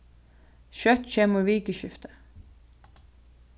skjótt kemur vikuskiftið